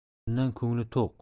bundan ko'ngli to'q